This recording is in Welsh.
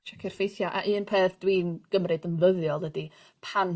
Checio'r ffeithia. A un peth dwi'n gymryd yn ddyddiol ydi pan